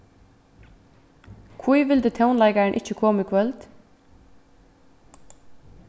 hví vildi tónleikarin ikki koma í kvøld